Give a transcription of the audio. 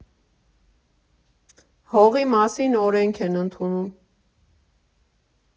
Հողի մասին օրենք են ընդունում։